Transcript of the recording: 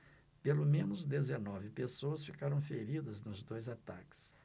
pelo menos dezenove pessoas ficaram feridas nos dois ataques